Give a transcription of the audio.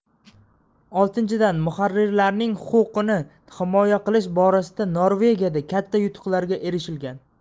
oltinchidan muharrirlarning xuquqini himoya qilish borasida norvegiyada katta yutuqlarga erishilgan